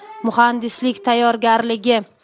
muhandislik tayyorgarligi